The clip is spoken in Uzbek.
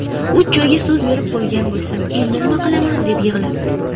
uch joyga so'z berib qo'ygan bo'lsam endi nima qilaman deb yig'labdi